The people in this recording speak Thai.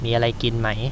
มีอะไรกินไหม